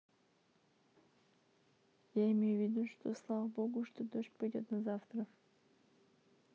я имею в виду что слава богу что дождь пойдет на завтра